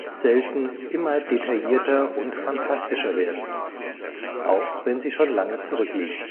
selten immer detaillierter und fantastischer werden (auch wenn sie schon lange zurückliegen